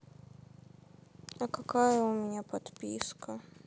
а какая у меня подписка